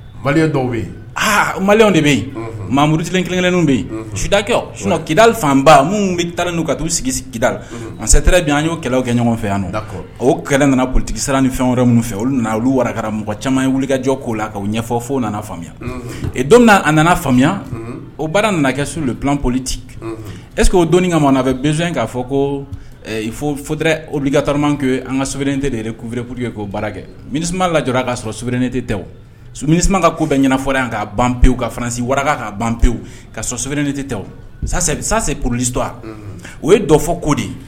Dɔw bɛ yen mali de bɛ yen mamudutilen kelen kelennen bɛ yen sudakɛ s kidali fanba minnu bɛ taa n' ka t'u sigi sigi kidala an don an ye' kɛlɛ kɛ ɲɔgɔn fɛ yan o kɛlɛ nanaolitigikisira ni fɛn wɛrɛ minnu fɛ olu nana olu waraka mɔgɔ caman ye wulikajɔ k'o la k' ɲɛfɔ fo nana faamuya don a nana faamuya o baara nana kɛ su ku politi eseke oo dɔnnii ka mɔn na a bɛ bɛson k'a fɔ ko fo fo obilikatɔma ke an ka sɛbɛne tɛ de ye kuuerepur ye k'o baara kɛ mini lara ka sɔrɔ sɛbɛnbren tɛ tɛ s minima ka ko bɛ ɲɛnafɔ yan k ka ban pewu kasi wara ka ban pewu ka sɔ sɛbɛnnen tɛ sase polilitu o ye dɔ fɔ ko de